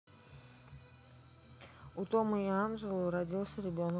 у тома и анжелы родился ребенок